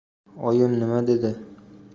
oyim nima dedi